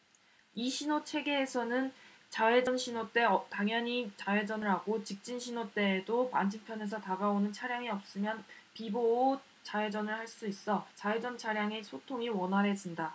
이 신호체계에서는 좌회전 신호 때 당연히 좌회전을 하고 직진 신호 때에도 맞은편에서 다가오는 차량이 없으면 비보호 좌회전을 할 수 있어 좌회전 차량의 소통이 원활해진다